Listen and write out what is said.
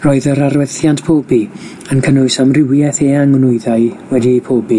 Roedd yr arwerthiant pobi yn cynnwys amrywieth eang o nwyddau wedi'u pobi,